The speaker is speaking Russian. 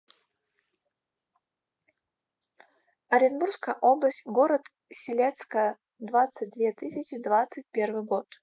оренбургская область город селецкая двадцать две тысячи двадцать первый год